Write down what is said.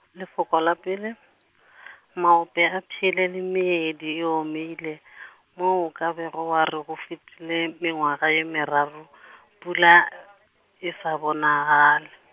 lefoko la pele , maope a pšhele le meedi e omile , mo o ka bego wa re go fetile mengwaga ye meraro, pula , e sa bonagale.